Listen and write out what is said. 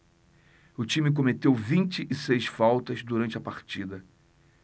o time cometeu vinte e seis faltas durante a partida